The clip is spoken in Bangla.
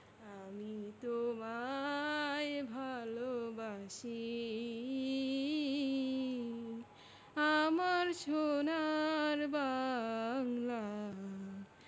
আমি তোমায় ভালবাসি আমার সোনার বাংলা